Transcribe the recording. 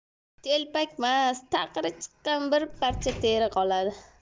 telpakmas taqiri chiqqan bir parcha teri qoladi